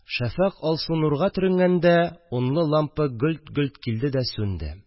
Шәфәкъ алсу нурга төренгәндә унлы лампа гөлт-гөлт килде дә сүнде